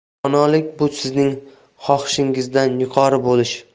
donolik bu sizning xohishingizdan yuqori